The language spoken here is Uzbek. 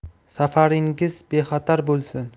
safaringiz bexatar bo'lsin